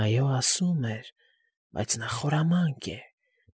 Այո, աս֊ս֊սում էր, բայց նա խորամանկ է։